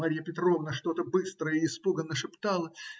Марья Петровна что-то быстро и испуганно шептала.